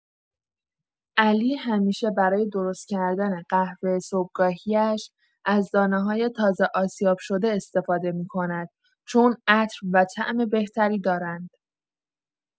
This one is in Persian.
علی همیشه برای درست‌کردن قهوه صبحگاهی‌اش از دانه‌های تازه آسیاب‌شده استفاده می‌کند، چون عطر و طعم بهتری دارند.